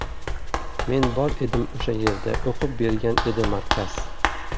men bor edim o'sha yerda o'qib bergan edi maraz